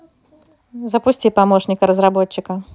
запусти помощника разработчика